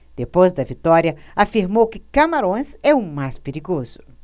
depois da vitória afirmou que camarões é o mais perigoso